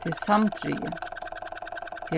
tað er samdrigið